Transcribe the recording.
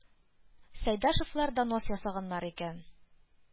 Сәйдәшевләр донос ясаганнар икән,